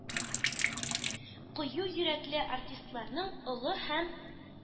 Кыю йөрәкле артистларның олы һәм